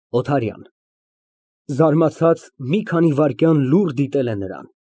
ՕԹԱՐՅԱՆ ֊ (Զարմացած, մի քանի վայրկյան լուռ դիտել է նրան)։